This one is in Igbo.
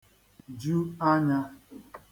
ju anyā